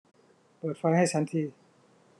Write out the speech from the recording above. เปิดไฟให้ฉันที